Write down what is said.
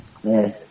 eyyi